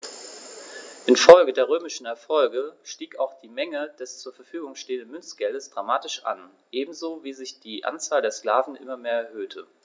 Infolge der römischen Erfolge stieg auch die Menge des zur Verfügung stehenden Münzgeldes dramatisch an, ebenso wie sich die Anzahl der Sklaven immer mehr erhöhte.